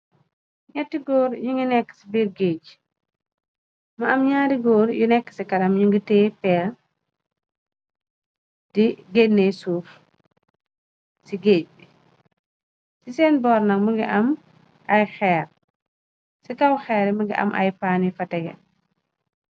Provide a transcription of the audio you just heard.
ñetti góor yu ngi nekk ci bir-gaeje ma am ñaari góor yu nekk ci karam ñu ngi tee peer di génney suuf ci géej bi ci seen boor na më ngi a xee ci kaw-xeere më ngi am ay paan yu fa tege